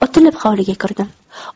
otilib hovliga kirdim